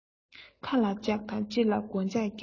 ཁ ལ ལྕགས དང ལྕེ ལ སྒོ ལྩགས རྒྱོབ